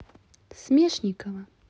смешникова